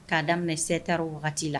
K'a daminɛ se taara o wagati la